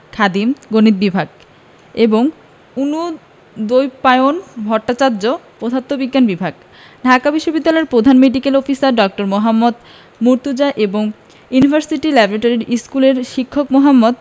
খাদিম গণিত বিভাগ এবং অনুদ্বৈপায়ন ভট্টাচার্য পদার্থবিদ্যা বিভাগ ঢাকা বিশ্ববিদ্যালয়ের প্রধান মেডিক্যাল অফিসার ডা. মোহাম্মদ মর্তুজা এবং ইউনিভার্সিটি ল্যাবরেটরি স্কুলের শিক্ষক মোহাম্মদ